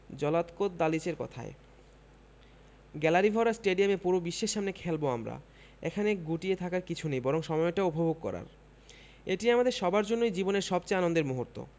Zlatko দালিচের কথায় গ্যালারিভরা স্টেডিয়ামে পুরো বিশ্বের সামনে খেলব আমরা এখানে গুটিয়ে থাকার কিছু নেই বরং সময়টা উপভোগ করার এটি আমাদের সবার জন্যই জীবনের সবচেয়ে আনন্দের মুহূর্ত